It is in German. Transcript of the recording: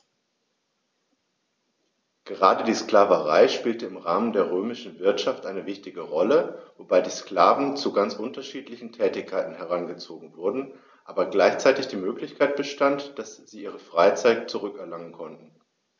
Gerade die Sklaverei spielte im Rahmen der römischen Wirtschaft eine wichtige Rolle, wobei die Sklaven zu ganz unterschiedlichen Tätigkeiten herangezogen wurden, aber gleichzeitig die Möglichkeit bestand, dass sie ihre Freiheit zurück erlangen konnten.